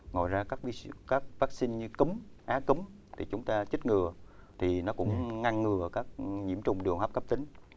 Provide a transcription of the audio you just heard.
ngoài ra các các vắc xin như cúm á cúm thì chúng ta chích ngừa thì nó cũng ngăn ngừa các nhiễm trùng đường hô hấp cấp tính